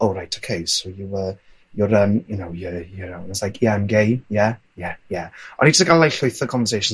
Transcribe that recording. o rite ok so you are you're erm you know you're you're erm it's like yeah I'm gay yeah yeah yeah . O'n i jys yn gael like llwyth o conversations*